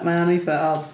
Mae o'n eitha od.